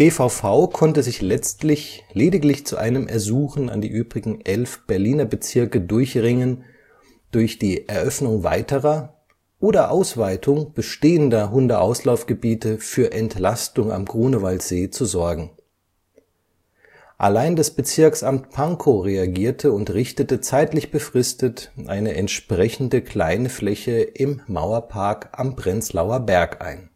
BVV konnte sich letztlich lediglich zu einem Ersuchen an die übrigen elf Berliner Bezirke durchringen, durch die Eröffnung weiterer oder Ausweitung bestehender Hundeauslaufgebiete für Entlastung am Grunewaldsee zu sorgen. Allein das Bezirksamt Pankow reagierte und richtete, zeitlich befristet, eine entsprechende kleine Fläche im Mauerpark am Prenzlauer Berg ein